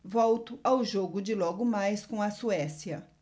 volto ao jogo de logo mais com a suécia